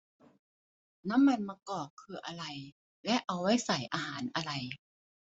น้ำมันมะกอกคืออะไรและเอาไว้ใส่อาหารอะไร